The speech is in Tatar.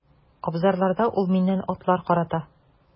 Абзарларда ул миннән атлар карата.